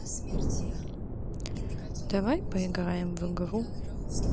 давай поиграем в игру